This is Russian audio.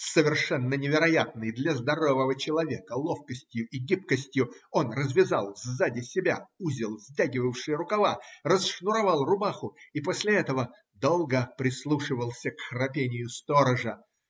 С совершенно невероятной для здорового человека ловкостью и гибкостью он развязал сзади себя узел, стягивавший рукава, расшнуровал рубаху и после этого долго прислушивался к храпению сторожа.